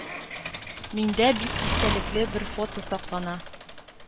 Миндә бик истәлекле бер фото саклана.